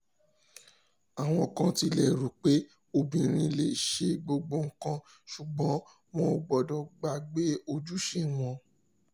Àwọn kan tilẹ̀ rò pé obìnrin lè ṣe gbogbo nǹkan, ṣùgbọ́n wọn ò gbọdọ̀ gbàgbé "ojúṣe" wọn.